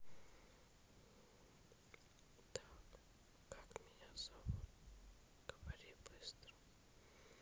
так как меня зовут говори быстро